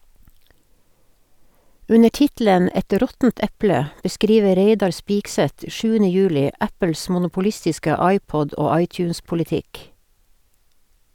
Under tittelen "Et råttent eple" beskriver Reidar Spigseth 7. juli Apples monopolistiske iPod- og iTunes-politikk.